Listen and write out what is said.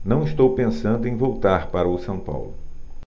não estou pensando em voltar para o são paulo